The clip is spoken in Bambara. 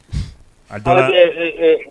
A ee